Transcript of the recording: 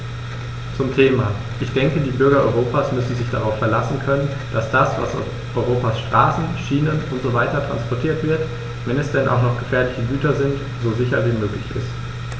Zum Thema: Ich denke, die Bürger Europas müssen sich darauf verlassen können, dass das, was auf Europas Straßen, Schienen usw. transportiert wird, wenn es denn auch noch gefährliche Güter sind, so sicher wie möglich ist.